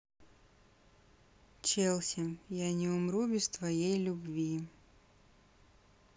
челси я не умру без твоей любви